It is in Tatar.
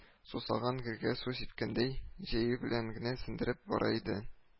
Сусаган гөлгә су сипкәндәй җәе белән генә сеңдереп бара иде